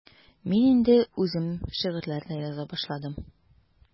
Мин инде үзем шигырьләр дә яза башладым.